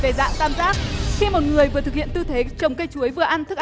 về dạng tam giác khi một người vừa thực hiện tư thế trồng cây chuối vừa ăn thức